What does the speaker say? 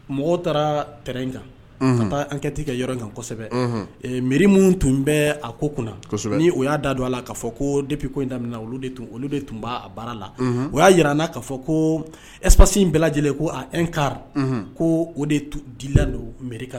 Mɔgɔ taara t in kan ka taa an kɛti ka yɔrɔ kan kosɛbɛ mi minnu tun bɛ a ko kunna ni o y'a da don a la k kaa fɔ ko denpi ko in da olu olu de tun b'a baara la o y'a jira n ka fɔ ko epsi in bɛɛ lajɛlen ko n ka ko o de dilan don mi